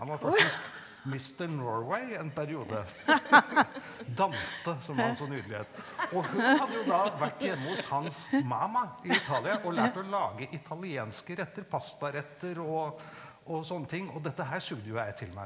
han var faktisk Mister Norway en periode, Dante som han så nydelig het, og hun hadde jo da vært hjemme hos hans mamma i Italia og lært å lage italienske retter, pastaretter og og sånne ting og dette her sugde jo jeg til meg.